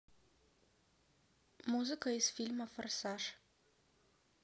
музыка из фильма форсаж